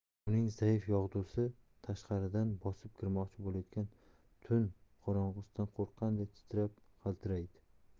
uning zaif yog'dusi tashqaridan bosib kirmoqchi bo'layotgan tun qorong'isidan qo'rqqanday titrab qaltiraydi